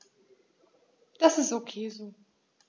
Das ist ok so.